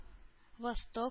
Восток